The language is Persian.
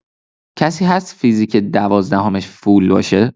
کسی هست فیزیک دوازدهمش فول باشه؟